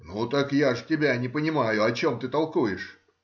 — Ну так я же тебя не понимаю; о чем ты толкуешь?